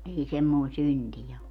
ei semmoinen syntiä ole